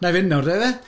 Wna i fynd nawr de, ife?